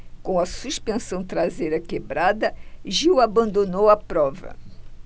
com a suspensão traseira quebrada gil abandonou a prova